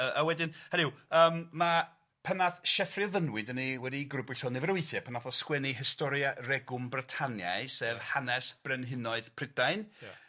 Yy a wedyn hynny yw yym ma' pan nath Sieffre o Fynwy, dan ni wedi gwrwbwyll o nifer o weithiau, pan nath o sgwennu Historia Regum Britanniae sef hanes brenhinoedd Prydain. Ia.